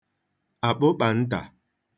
àkpụkpàntà